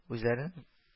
Үзләренең